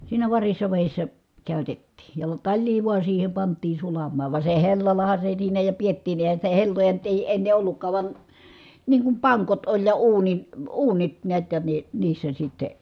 siinä varissa vedessä käytettiin ja talia vain siihen pantiin sulamaan vaan se hellallahan se siinä ja pidettiinkin eihän sitä helloja nyt ei ennen ollutkaan vaan niin kuin pankot oli ja - uunit näet ja ne niissä sitten